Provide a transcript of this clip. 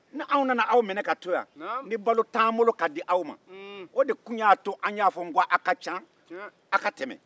ni anw nana aw minɛ ka to yan ni balo tɛ an bolo ka di aw ma o de tun y'a to an ko aw ka ca aw ka tɛmɛ